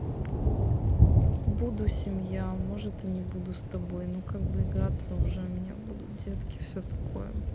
буду семья может и не буду с тобой ну как бы играться уже меня будут детки все такое